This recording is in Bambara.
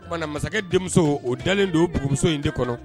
Tuma masakɛ denmuso o dalen don bmuso in de kɔnɔ